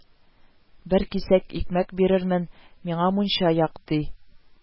– бер кисәк икмәк бирермен, миңа мунча як, – ди